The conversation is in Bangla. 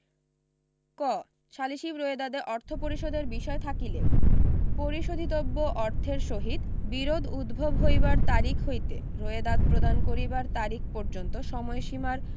ক সালিসী রোয়েদাদে অর্থ পরিশোধের বিষয় থাকিলে পরিশোধিতব্য অর্থের সহিত বিরোধ উদ্ভব হইবার তারিখ হইতে রোয়েদাদ প্রদান করিবার তারিখ পর্যন্ত সময়সীমার